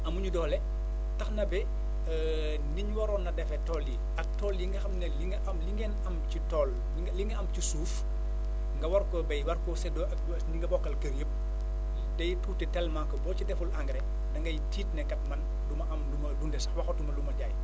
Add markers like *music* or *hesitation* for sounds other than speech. amuñu doole tax na ba *hesitation* ni ñu waroon a defee tool yi ak tool yi nga xam ne li nga am li ngeen am ci tool li nga li ngeen am ci suuf nga war koo béy war koo séddoo ak waa ñi nga bokkal kër yëpp day tuuti tellement que boo ci deful engrais da ngay tiit ne kat man du ma am lu ma dundee saw waxatu ma lu ma jaay